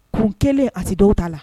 Kun kelen a si dɔw t'a la